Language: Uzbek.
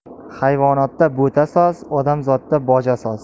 hayvonotda bo'ta soz odamzotda boja soz